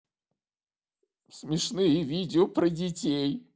смешные видео про детей